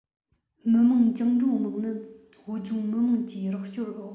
མི དམངས བཅིངས འགྲོལ དམག ནི བོད ལྗོངས མི དམངས ཀྱི རོགས སྐྱོར འོག